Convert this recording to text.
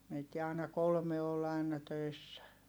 meitä aina kolme oli aina töissä